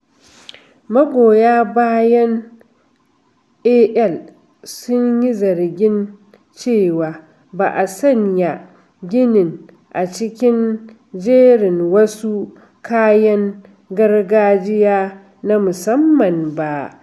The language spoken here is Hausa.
Magoya bayan AL sun yi zargin cewa ba a sanya ginin a cikin jerin wasu kayan gargajiya na musamman ba.